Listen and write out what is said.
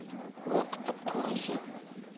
vaqt qozi